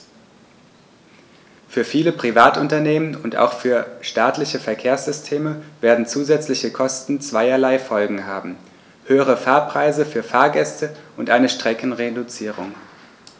Für viele Privatunternehmen und auch für staatliche Verkehrssysteme werden zusätzliche Kosten zweierlei Folgen haben: höhere Fahrpreise für Fahrgäste und eine Streckenreduzierung.